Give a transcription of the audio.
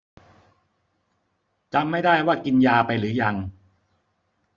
จำไม่ได้ว่ากินยาไปหรือยัง